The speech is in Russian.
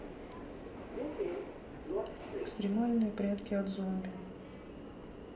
экстремальные прятки от зомби